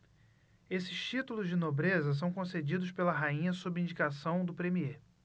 esses títulos de nobreza são concedidos pela rainha sob indicação do premiê